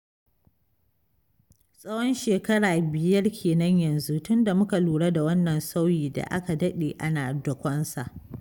Tsawon shekara biyar ke nan yanzu tunda muka lura da wannan sauyi da aka daɗe ana dakon sa.